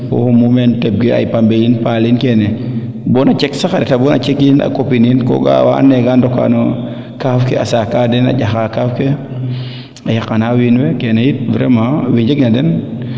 fo mumeen teɓke ay pambe yiin paaliin kene bono cek sax a reta bo a cekiin a kopiniin ko ga'a waa ando naye ga ndoka no kaaf ke a saaka den a ƴaxa kaaf ke a yaqa na wiin we kene yit vraiment we njeng na den